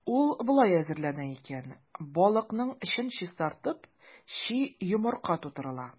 Ул болай әзерләнә икән: балыкның эчен чистартып, чи йомырка тутырыла.